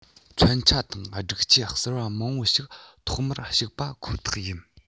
མཚོན ཆ དང སྒྲིག ཆས གསར པ མང པོ ཞིག ཐོག མར ཞུགས པ ཁོ ཐག ཡིན